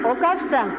o ka fisa